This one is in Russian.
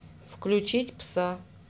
включить пса